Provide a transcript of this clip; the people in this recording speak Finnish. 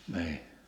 niin